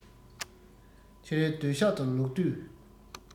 ཕྱིར སྡོད ཤག ཏུ ལོག དུས